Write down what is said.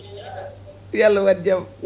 yo Allah waat jaam